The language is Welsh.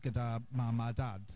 Gyda mam a dad.